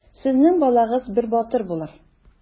Сезнең балагыз бер батыр булыр.